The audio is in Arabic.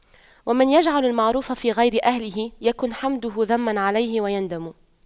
ومن يجعل المعروف في غير أهله يكن حمده ذما عليه ويندم